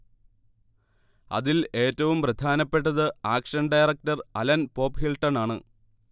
അതിൽ ഏറ്റവും പ്രധാനപ്പെട്ടത് ആക്ഷൻ ഡയറക്ടർ അലൻ പോപ്ഹിൽട്ടണാണ്